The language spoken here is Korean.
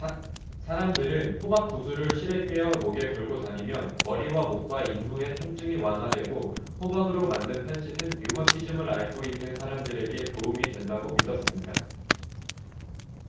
사람들은 호박 구슬을 실에 꿰어 목에 걸고 다니면 머리와 목과 인후의 통증이 완화되고 호박으로 만든 팔찌는 류머티즘을 앓고 있는 사람들에게 도움이 된다고 믿었습니다